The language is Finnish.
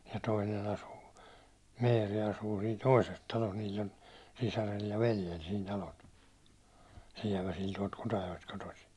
ja toinen asuu Meeri asuu siinä toisessa talossa niillä on sisarella ja veljellä siinä talot Sieväsillä tuolta Kutajoesta kotoisin